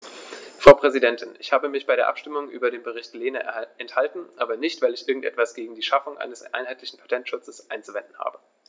Frau Präsidentin, ich habe mich bei der Abstimmung über den Bericht Lehne enthalten, aber nicht, weil ich irgend etwas gegen die Schaffung eines einheitlichen Patentschutzes einzuwenden habe.